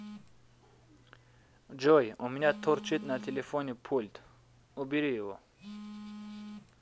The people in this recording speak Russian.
джой у меня торчит на телефоне пульт убери его